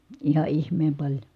ihan ihmeen paljon